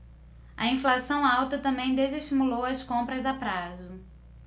a inflação alta também desestimulou as compras a prazo